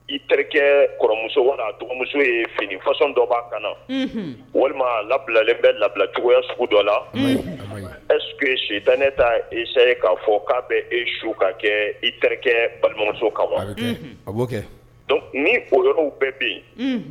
I terikɛ kɔrɔmuso dugumuso ye finifasɔn dɔ b'a ka na walima labilalen bɛ labila cogoyaya sugu dɔ la es si tan ne ta i se k'a fɔ k'a bɛ e su ka kɛ i terikɛ balimamuso kan wa ni o yɔrɔ bɛɛ bɛ yen